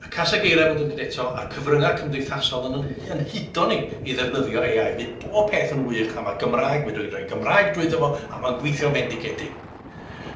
y casag eiria, fel dwi'n dweud eto, a cyfrynga' cymdeithasol yn 'yn hu- yn hudo ni i ddefnyddio Ay I fdd bob peth yn wych a ma' Gymraeg fedrwn ni roi Gymraeg drwyddo fo a mae'n gwithio'n fendigedig.